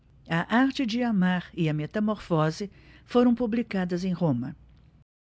a arte de amar e a metamorfose foram publicadas em roma